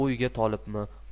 o'yga tolibmi